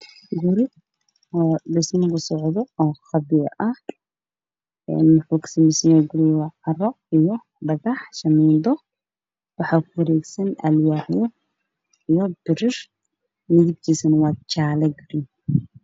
Waa guri dhismo ka socda oo laga dhisaayo dhagax waxaa ka dambeeyay darbi bulukeeti ah